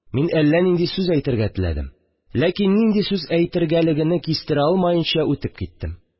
Мин әллә нинди сүз әйтергә теләдем, ләкин нинди сүз әйтергәлегене кистерә алмаенча үтеп киттем